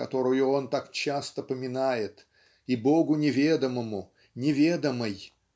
которую он так часто поминает и богу неведомому неведомой